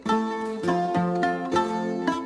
San yo